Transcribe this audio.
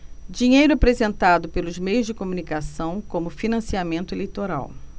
dinheiro apresentado pelos meios de comunicação como financiamento eleitoral